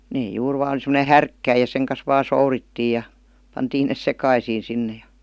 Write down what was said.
ne juuri vain semmoinen härkkäin ja sen kanssa vain sourittiin ja pantiin ne sekaisin sinne ja